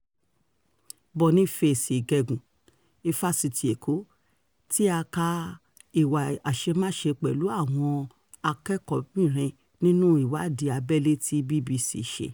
Boniface Igbeneghu, Ifásitì Èkó, tí a ká ìwà àṣemáṣe pẹ̀lú àwọn akẹ́kọ̀ọ́bìrin nínú ìwádìí abẹ́lẹ̀ tí BBC ṣe.